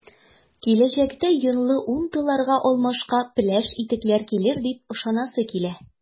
Киләчәктә “йонлы” унтыларга алмашка “пеләш” итекләр килер дип ышанасы килә.